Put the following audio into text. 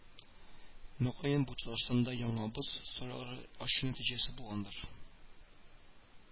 Мөгаен, бу Татарстанда яңа боз сарайлары ачу нәтиҗәсе булгандыр